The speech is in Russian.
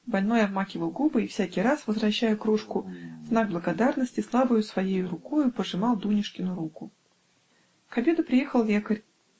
Больной обмакивал губы и всякий раз, возвращая кружку, в знак благодарности слабою своей рукою пожимал Дунюшкину руку. К обеду приехал лекарь.